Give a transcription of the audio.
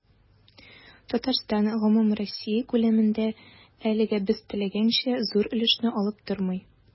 Татарстан гомумроссия күләмендә, әлегә без теләгәнчә, зур өлешне алып тормый.